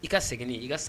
I ka segin i ka